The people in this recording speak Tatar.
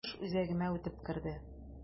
Сугыш үзәгемә үтеп керде...